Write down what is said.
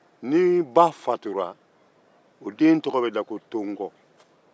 ni ba fatura o de n tɔgɔ bɛ da ko tonkɔ